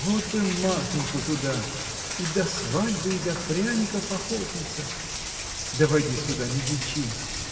Вот бы Марфиньку туда: и до свадьбы и до пряников охотница. Да войди сюда, не дичись!